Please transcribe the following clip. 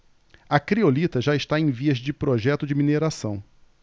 a criolita já está em vias de projeto de mineração